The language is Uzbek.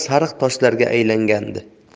sariq toshlarga aylangandi